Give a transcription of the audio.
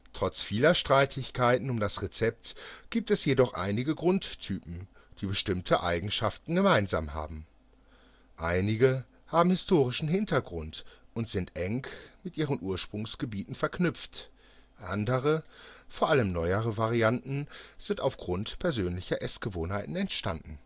Trotz vieler Streitigkeiten um das Rezept gibt es jedoch einige Grundtypen, die bestimmte Eigenschaften gemeinsam haben. Einige haben historischen Hintergrund und sind eng mit ihren Ursprungsgebieten verknüpft, andere – vor allem neuere Varianten – sind auf Grund persönlicher Essgewohnheiten entstanden